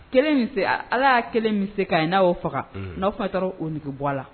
Kelen min se Ala ye kelen min se k'a ye n'a y'o faga, unhun, n'aw fana taara o nege bɔ a la